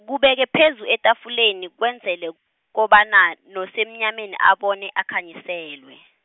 kubeke phezu etafuleni wenzelele, kobana, nosemnyameni abone akhanyiselwe.